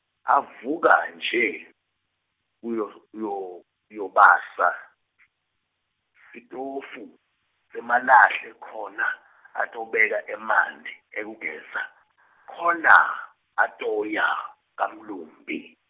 avuka nje, uyo- uyo- uyobasa , sitofu, semalahle khona, atobeka emanti, ekugeza, khona, atoya, kamlumbi.